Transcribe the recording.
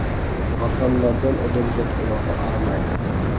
barxanlardan odamzod oyog'i arimaydi